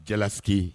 Jala